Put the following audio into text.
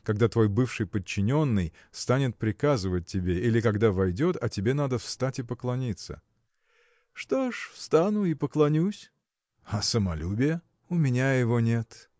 когда твой бывший подчиненный станет приказывать тебе или когда войдет а тебе надо встать и поклониться. – Что ж: встану и поклонюсь. – А самолюбие? – У меня его нет.